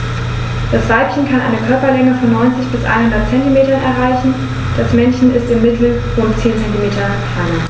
Das Weibchen kann eine Körperlänge von 90-100 cm erreichen; das Männchen ist im Mittel rund 10 cm kleiner.